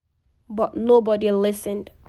But nobody listened.